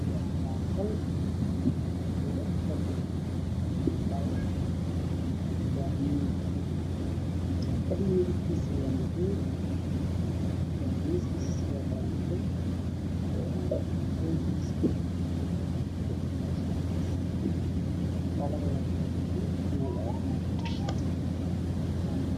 meeshan waa qul guriga ililkisa waa madoe